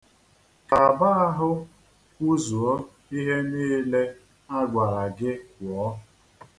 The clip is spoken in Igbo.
Kaba ahụ kwụzuo ihe niile a gwara gị kwụọ.